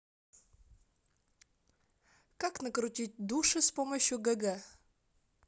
как накрутить души с помощью гг